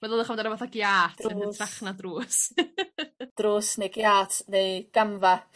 Meddylwch amdan ryw fath o giât... Drws. ...yn hytrach na ddrws. Drws neu giât neu gamfa.